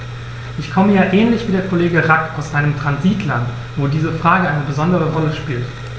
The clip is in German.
Ich komme ja ähnlich wie der Kollege Rack aus einem Transitland, wo diese Frage eine besondere Rolle spielt.